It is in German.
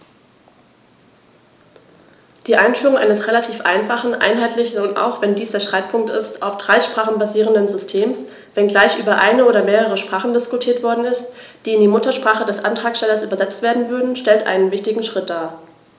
Die Einführung eines relativ einfachen, einheitlichen und - auch wenn dies der Streitpunkt ist - auf drei Sprachen basierenden Systems, wenngleich über eine oder mehrere Sprachen diskutiert worden ist, die in die Muttersprache des Antragstellers übersetzt werden würden, stellt einen wichtigen Schritt dar.